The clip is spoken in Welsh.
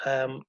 yym